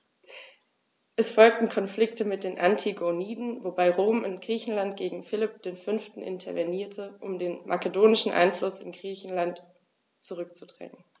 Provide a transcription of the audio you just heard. Es folgten Konflikte mit den Antigoniden, wobei Rom in Griechenland gegen Philipp V. intervenierte, um den makedonischen Einfluss in Griechenland zurückzudrängen.